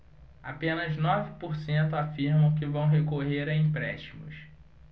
apenas nove por cento afirmam que vão recorrer a empréstimos